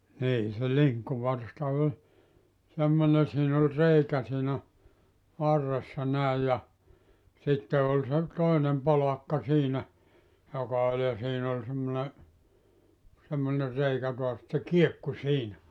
niin se linkkuvarsta oli semmoinen siinä oli reikä siinä varressa näin ja sitten oli se toinen polakka siinä joka oli ja siinä oli semmoinen semmoinen reikä taas että se kiekkui siinä